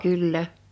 kyllä